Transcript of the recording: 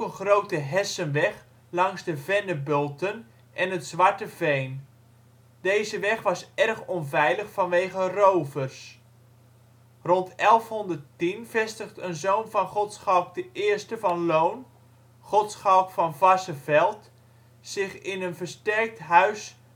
grote Hessenweg langs de Vennebulten en het Zwarte Veen. Deze weg was erg onveilig vanwege rovers. Rond 1110 vestigt een zoon van Godschalk I van Loon Godschalk van Varsseveld zich in een versterkt huis